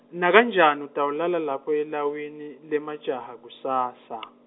nakanjani utawulala lapha elawini, lemajaha kusasa.